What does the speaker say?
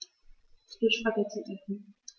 Ich will Spaghetti essen.